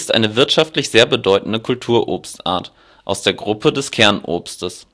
eine wirtschaftlich sehr bedeutende Kulturobst-Art aus der Gruppe des Kernobstes